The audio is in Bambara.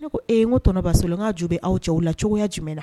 Ne ko e ye ko tɔnɔbasolonkan ju bɛ aw cɛw la cogoyaya jumɛn na